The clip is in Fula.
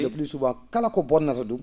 et plus souvent kala ko bonnata ?um